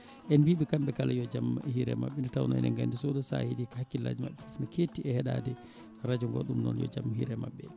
en mbiɓe kamɓe kala yo jaam hiire mabɓe nde tawno enen gandi so oɗo saaha heedi hakkillaji mabɓe foof ne ketti e heeɗade radio ngo ɗum noon yo jaam hiire mabɓe